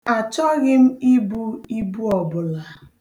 A chọghị m ibu ibu ọbụla.